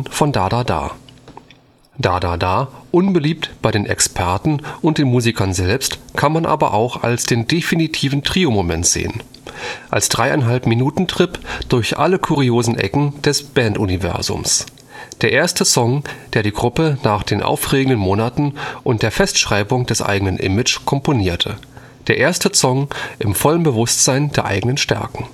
von Da Da Da: „ Da Da Da, unbeliebt bei den Experten und den Musikern selbst, kann man aber auch als den definitiven Trio-Moment sehen, als Dreieinhalb-Minuten-Trip durch alle kuriosen Ecken des Band-Universums. Der erste Song, den die Gruppe nach den aufregenden Monaten und der Festschreibung des eigenen Image komponierte. Der erste Song im vollen Bewusstsein der eigenen Stärken